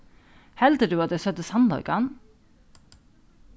heldur tú at tey søgdu sannleikan